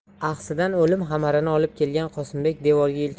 axsidan o'lim xabarini olib kelgan qosimbek devorga